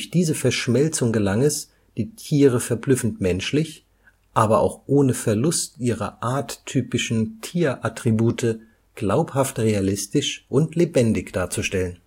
diese Verschmelzung gelang es, die Tiere verblüffend menschlich, aber auch ohne Verlust ihrer arttypischen Tier-Attribute glaubhaft realistisch und lebendig darzustellen